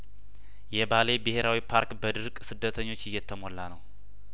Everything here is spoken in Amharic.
የባሌ ብሄራዊ ፓርክ በድርቅ ስደተኞች እየተሞላ ነው